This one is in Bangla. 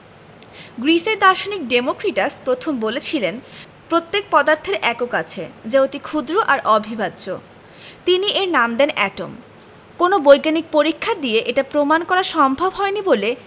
গ্রিসের দার্শনিক ডেমোক্রিটাস প্রথম বলেছিলেন প্রত্যেক পদার্থের একক আছে যা অতি ক্ষুদ্র আর অবিভাজ্য তিনি এর নাম দেন এটম কোনো বৈজ্ঞানিক পরীক্ষা দিয়ে এটি প্রমাণ করা সম্ভব হয়নি বলে